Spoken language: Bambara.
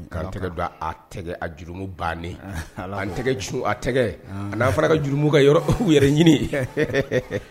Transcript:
K'an tɛgɛ don a tɛgɛ a juru bannen kan tɛgɛ ci a tɛgɛ .